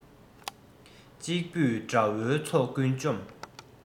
གཅིག པུས དགྲ བོའི ཚོགས ཀུན བཅོམ